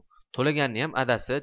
to'laganniyam adasi